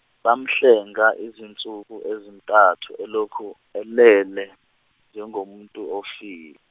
bamhlenga izinsuku ezintathu elokhu elele, njengomuntu ofil-.